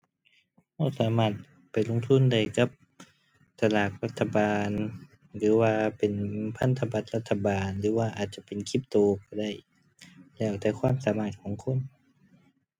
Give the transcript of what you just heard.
เราสามารถไปลงทุนได้กับสลากรัฐบาล หรือว่าเป็นพันธบัตรรัฐบาล หรือว่าอาจจะเป็นคริปโตเราได้ แล้วแต่ความสามารถของคน